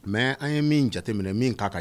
Mɛ an ye min jate minɛ min k'a ka